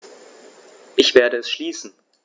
Ich werde es schließen.